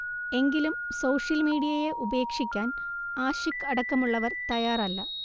എങ്കിലും സോഷ്യൽ മീഡിയയെ ഉപേക്ഷിക്കാൻ ആശിഖ് അടക്കമുള്ളവർ തയ്യാറല്ല